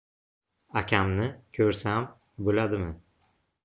akamni ko'rsam bo'ladimi